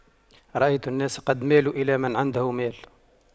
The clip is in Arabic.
رأيت الناس قد مالوا إلى من عنده مال